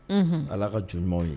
Unnhun, Ala ka jɔn ɲumanw ye.